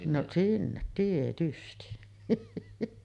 no sinne tietysti